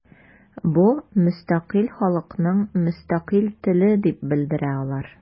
Бу – мөстәкыйль халыкның мөстәкыйль теле дип белдерә алар.